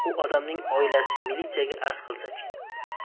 u odamning oilasi militsiyaga arz qilsa chi